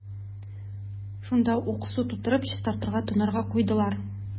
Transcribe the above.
Шунда ук су тутырып, чистарырга – тонарга куйдылар.